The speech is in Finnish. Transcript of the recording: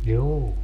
juu